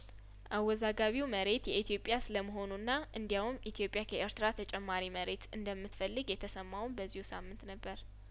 አወዛጋቢው መሬት የኢትዮጵያ ስለመሆኑና እንዲያውም ኢትዮጵያ ከኤርትራ ተጨማሪ መሬት እንደምትፈልግ የተሰማውም በዚሁ ሳምንት ነበር